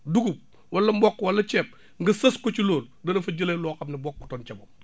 dugub wala mboq wala ceeb nga sës ko ci loolu dana fa jëlee loo xam ne bokkutoon ca moom